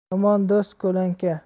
yomon do'st ko'lanka